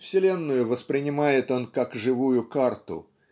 Вселенную воспринимает он как живую карту